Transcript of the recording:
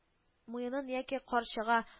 Муенын яки карчыга